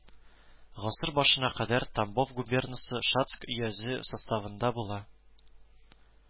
Гасыр башына кадәр тамбов губернасы шацк өязе составында була